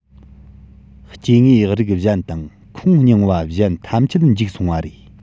སྐྱེ དངོས རིགས གཞན དང ཁོངས རྙིང བ གཞན ཐམས ཅད འཇིག སོང བ རེད